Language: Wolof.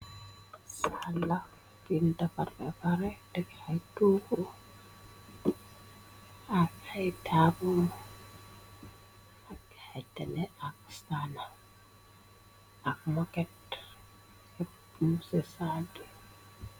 salel la fen defar bah pareh teh ay togo ak aytaabul ak tele ak stana ak moket yupuse saiad.